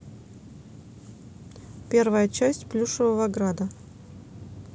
первая часть плюшево града